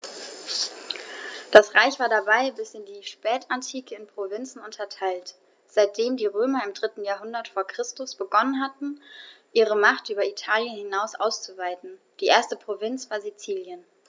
Das Reich war dabei bis in die Spätantike in Provinzen unterteilt, seitdem die Römer im 3. Jahrhundert vor Christus begonnen hatten, ihre Macht über Italien hinaus auszuweiten (die erste Provinz war Sizilien).